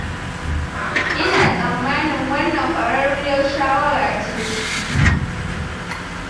"Ina tsammanin wannan kwararriyar shawara ce.